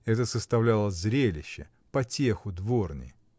Это составляло зрелище, потеху дворни.